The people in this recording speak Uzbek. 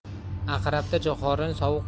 aqrabda jo'xorini sovuq